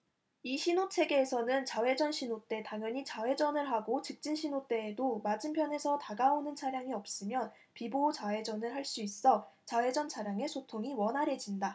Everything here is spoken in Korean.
이 신호체계에서는 좌회전 신호 때 당연히 좌회전을 하고 직진 신호 때에도 맞은편에서 다가오는 차량이 없으면 비보호 좌회전을 할 수 있어 좌회전 차량의 소통이 원활해진다